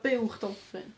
Buwch dolffin.